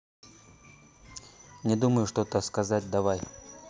не думаю что то сказать давай